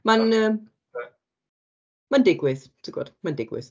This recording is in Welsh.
Mae'n yy... mae'n digwydd ti'n gwybod, mae'n digwydd.